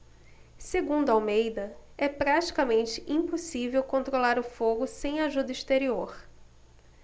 segundo almeida é praticamente impossível controlar o fogo sem ajuda exterior